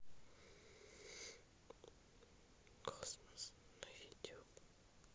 космос на ютуб